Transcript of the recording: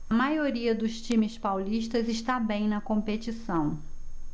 a maioria dos times paulistas está bem na competição